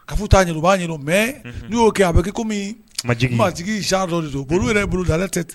Ka futa taa jurua mɛ n''o kɛ a bɛ kɛ kɔmi jigi ma jigindɔ don yɛrɛ bolo da ale tɛ